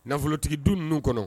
Nafolotigi dun ninnu kɔnɔ